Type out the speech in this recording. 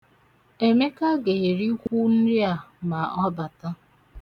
Emeka ga-erikwu nri a ma ọ bata.